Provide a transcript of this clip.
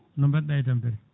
no mbaɗɗa e tampere